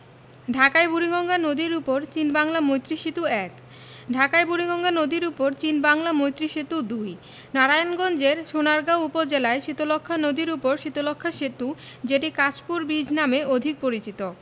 ঢাকায় বুড়িগঙ্গা নদীর উপর চীন বাংলা মৈত্রী সেতু ১ ঢাকায় বুড়িগঙ্গা নদীর উপর চীন বাংলা মৈত্রী সেতু ২ নারায়ণগঞ্জের সোনারগাঁও উপজেলায় শীতলক্ষ্যা নদীর উপর শীতলক্ষ্যা সেতু যেটি কাঁচপুর ব্রীজ নামে অধিক পরিচিত